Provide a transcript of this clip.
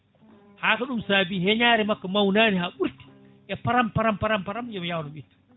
ha ko ɗum saabi heeñare makko mawnani ha ɓurti e param param param yomi yawno mi itta